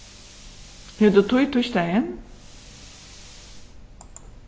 hevur tú tíð týsdagin